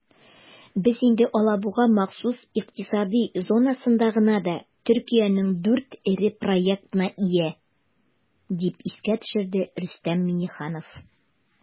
"без инде алабуга махсус икътисади зонасында гына да төркиянең 4 эре проектына ия", - дип искә төшерде рөстәм миңнеханов.